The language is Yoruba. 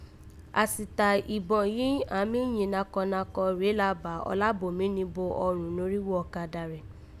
Àsìta ìban yìí àán mí yìn nákọnákọ na rèé la bà Ọlábòmí nibo ọrùn norígho ọ̀kadà rẹ̀